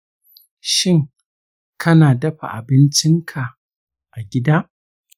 shin kana dafa abincinka a gida?